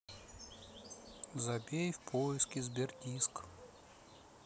забей в поиске сбер диск